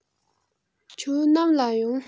ཁྱོད ནམ ལ ཡོང